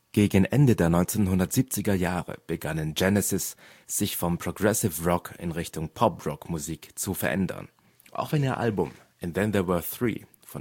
Gegen Ende der 1970er Jahre begannen Genesis, sich vom Progressive Rock in Richtung Poprock-Musik zu verändern. Auch wenn ihr Album And Then There Were Three (1978